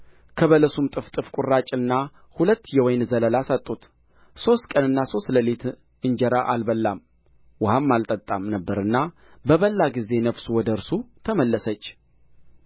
ከበለሱም ጥፍጥፍ ቁራጭና ሁለት የወይን ዘለላ ሰጡት ሦስት ቀንና ሦስት ሌሊት እንጀራ አልበላም ውኃም አልጠጣም ነበርና በበላ ጊዜ ነፍሱ ወደ እርሱ ተመለሰች